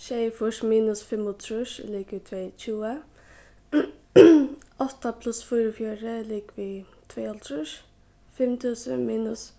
sjeyogfýrs minus fimmogtrýss er ligvið tveyogtjúgu átta pluss fýraogfjøruti er ligvið tveyoghálvtrýss fimm túsund minus